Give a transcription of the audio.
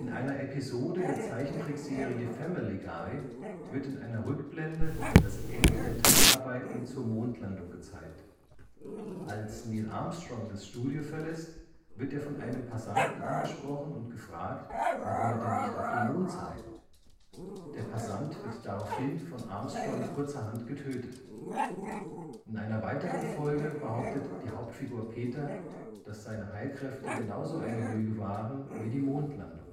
einer Episode der Zeichentrickserie Family Guy wird in einer Rückblende das Ende der Dreharbeiten zur Mondlandung gezeigt. Als Neil Armstrong das Studio verlässt, wird er von einem Passanten angesprochen und gefragt, warum er denn nicht auf dem Mond sei. Der Passant wird daraufhin von Armstrong kurzerhand getötet. In einer weiteren Folge behauptet die Hauptfigur Peter, dass seine Heilkräfte genauso eine Lüge waren wie die Mondlandung